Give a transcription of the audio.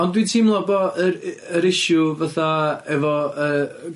Ond dwi'n teimlo bo' yr yy yr issue fatha efo yy